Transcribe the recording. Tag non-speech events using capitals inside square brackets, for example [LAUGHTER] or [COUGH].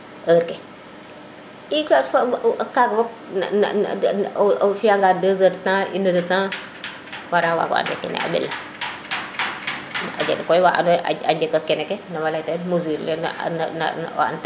heure ke i kaga fop na na na fiya nga 2 heures de temps 1 heure de temps wara wago ande kene a mbela [NOISE] a jega wa nado naye koy a jega mesure le teno an ta ye